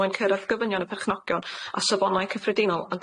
mwyn cyrraedd gofynion y perchnogion a safonau cyffredinol yn